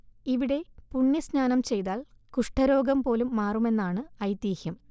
ഇവിടെ പുണ്യസ്നാനം ചെയ്താൽ കുഷ്ഠരോഗം പോലും മാറുമെന്നാണ് ഐതീഹ്യം